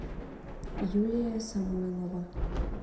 юлия самойлова